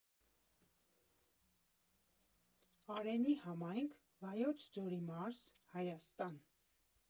Արենի համայնք, Վայոց ձորի մարզ, Հայաստան։